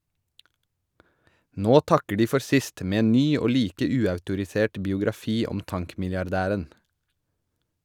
Nå takker de for sist, med en ny og like uautorisert biografi om tankmilliardæren.